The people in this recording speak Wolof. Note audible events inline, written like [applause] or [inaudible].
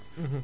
[hesitation] [hesitation]